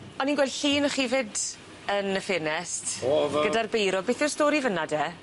O'n i'n gweld llun o'ch chi 'fyd yn y ffenest... O fel... ...gyda'r beiro beth yw'r stori fyn 'na de?